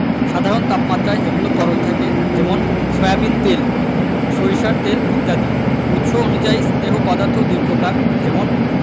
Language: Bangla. সাধারণ তাপমাত্রায় এগুলো তরল থাকে যেমন সয়াবিন তেল সরিষার তেল ইত্যাদি উৎস অনুযায়ী স্নেহ পদার্থ দুই প্রকার যেমন